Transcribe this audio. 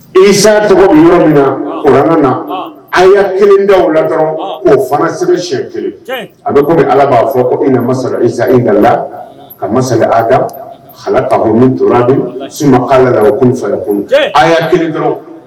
Isa tɔgɔ yɔrɔ min na o na a' kelen da la dɔrɔn k'o fana sɛbɛn sɛɲɛ kelen a bɛ kɔmi bɛ ala b'a fɔ ima iz gala ka ma sa ada ala kako tora dun su k' labɔ kofa kunun a'a kelen dɔrɔn